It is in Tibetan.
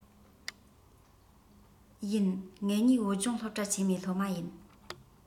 ཡིན ངེད གཉིས བོད ལྗོངས སློབ གྲྭ ཆེན མོའི སློབ མ ཡིན